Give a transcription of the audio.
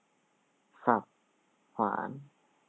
สับขวาน